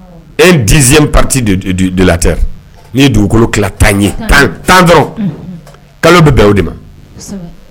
E diz panti dɔ latɛ ni ye dugukolo tan ye tan dɔrɔn kalo bɛ bɛn o de ma